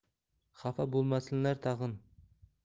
xafa bo'lmasinlar tag'in